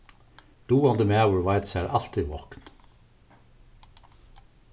dugandi maður veit sær altíð vákn